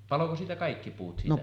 paloiko siitä kaikki puut siitä